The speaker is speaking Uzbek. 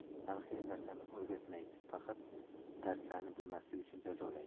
tarix hech narsani o'rgatmaydi faqat darslarni bilmasligi uchun jazolaydi